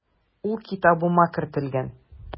Ул китабыма кертелгән.